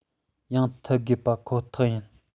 ཡང ཐུབ དགོས པ ཁོ ཐག ཡིན